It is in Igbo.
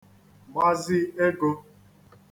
gbazi egō